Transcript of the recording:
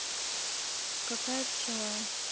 какая пчела